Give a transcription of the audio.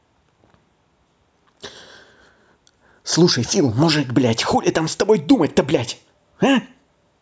слушай фил мужик блядь хули там с тобой думать то блядь